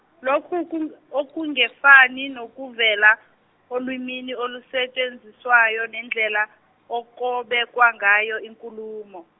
lokhu ku- ukungefani nokuvela olimini olusetshenziswayo nendlela okubekwa ngayo inkulumo.